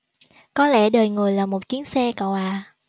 có lẽ đời người là một chuyến xe cậu ạ